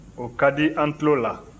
o ka di an tulo la